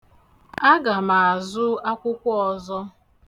Aga m azụ akwụkwọ ọzọ.